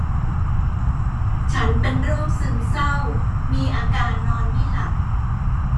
ฉันเป็นโรคซึมเศร้ามีอาการนอนไม่หลับ